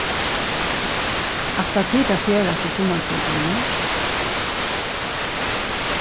ætla tit at ferðast í summarfrítíðini